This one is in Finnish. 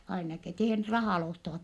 ainakin että ihan rahalla ostavat